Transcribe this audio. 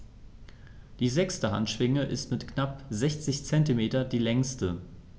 Die sechste Handschwinge ist mit knapp 60 cm die längste.